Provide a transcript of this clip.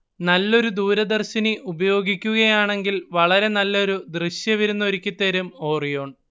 നല്ലൊരു ദൂരദർശിനി ഉപയോഗിക്കുകയാണെങ്കിൽ വളരെ നല്ലൊരു ദൃശ്യവിരുന്നൊരുക്കിത്തരും ഓറിയോൺ